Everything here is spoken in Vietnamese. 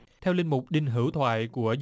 theo linh mục đinh hữu thoại của